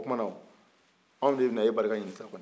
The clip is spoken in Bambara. o tuman na anw de bɛ na e barika ɲini sa kɔni